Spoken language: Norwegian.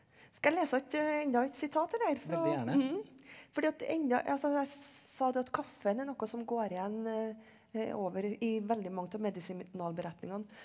skal jeg lese et enda et sitat eller fra ja fordi at at enda altså når jeg sa det at kaffen er noe som går igjen over i veldig mange av medisinalberetningene.